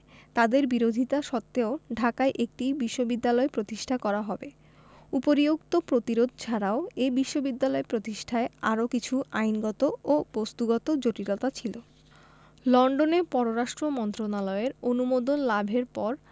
তাঁদের বিরোধিতা সত্ত্বেও ঢাকায় একটি বিশ্ববিদ্যালয় প্রতিষ্ঠা করা হবে উপরিউক্ত প্রতিরোধ ছাড়াও এ বিশ্ববিদ্যালয় প্রতিষ্ঠায় আরও কিছু আইনগত ও বস্ত্তগত জটিলতা ছিল লন্ডনে পররাষ্ট্র মন্ত্রণালয়ের অনুমোদন লাভের পর